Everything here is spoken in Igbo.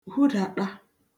hudàta